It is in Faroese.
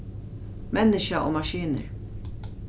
menniskja og maskinur